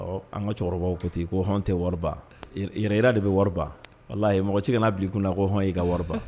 Ɔ an ka cɛkɔrɔbaw ko ti ko hɔn tɛ wari yɛrɛ de bɛ wariba wala ye mɔgɔ cɛ kana'a bi kunna ko hɔn' ka wari